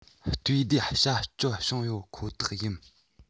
ལྟོས ཟླའི བྱ སྤྱོད བྱུང ཡོད ཁོ ཐག ཡིན